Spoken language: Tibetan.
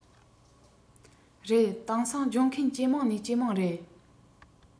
རེད དེང སང སྦྱོང མཁན ཇེ མང ནས ཇེ མང རེད